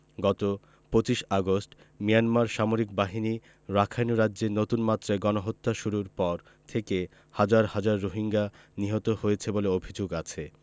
গত ২৫ আগস্ট মিয়ানমার সামরিক বাহিনী রাখাইন রাজ্যে নতুন মাত্রায় গণহত্যা শুরুর পর থেকে হাজার হাজার রোহিঙ্গা নিহত হয়েছে বলে অভিযোগ আছে